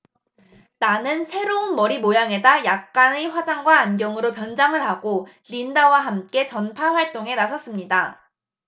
나는 새로운 머리 모양에다 약간의 화장과 안경으로 변장을 하고 린다와 함께 전파 활동에 나섰습니다